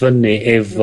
...fyny efo...